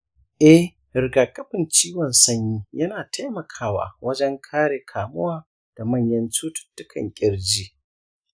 eh, rigakafin ciwon sanyi yana taimakawa wajen kare kamuwa da manyan cututtukan ƙirji.